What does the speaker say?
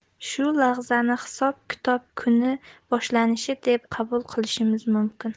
shu lahzani hisob kitob kuni boshlanishi deb qabul qilish mumkin